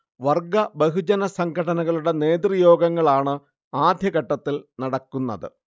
വർഗ ബഹുജന സംഘടനകളുടെ നേതൃയോഗങ്ങളാണ് ആദ്യഘട്ടത്തിൽ നടക്കുന്നത്